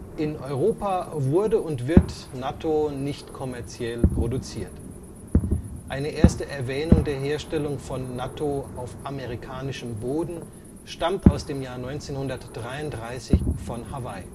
In Europa wurde und wird Nattō nicht kommerziell produziert. Eine erste Erwähnung der Herstellung von Nattō auf amerikanischem Boden stammt aus dem Jahr 1933 von Hawaii